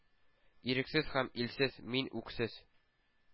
Ирексез һәм илсез — мин үксез.